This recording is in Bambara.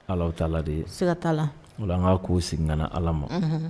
Ala' de ye se ka t' la ola an ka k'u sigi ka ala ma